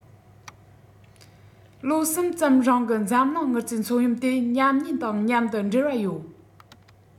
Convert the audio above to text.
ལོ གསུམ ཙམ རིང གི འཛམ གླིང དངུལ རྩའི མཚོ ཡོམ དེ ཉམས ཉེན དང མཉམ དུ འབྲེལ བ ཡོད